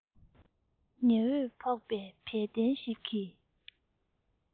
ཉི འོད ཕོག པའི བལ གདན ཞིག གི